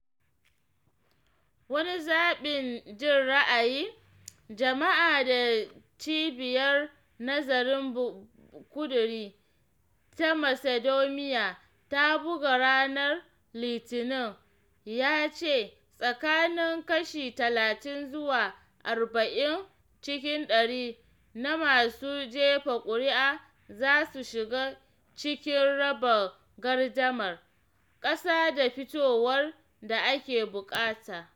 Wani zaɓen jin ra’ayin jama’a da Cibiyar Nazarin Ƙuduri ta Macedonia ta buga ranar Litinin ya ce tsakanin kashi 30 zuwa 43 cikin ɗari na masu jefa kuri’a za su shiga cikin raba gardamar - kasa da fitowar da ake buƙatar.